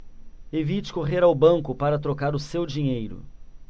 evite correr ao banco para trocar o seu dinheiro